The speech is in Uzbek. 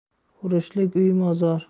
urushlik uy mozor